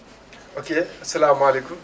ok asalaamaleykum